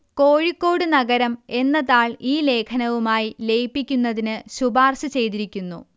കോഴിക്കോട് നഗരം എന്ന താൾ ഈ ലേഖനവുമായി ലയിപ്പിക്കുന്നതിന് ശുപാർശ ചെയ്തിരിക്കുന്നു